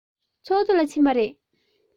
ཚོགས འདུ ལ ཕྱིན པ རེད